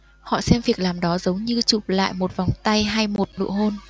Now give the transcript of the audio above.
họ xem việc làm đó giống như chụp lại một vòng tay hay một nụ hôn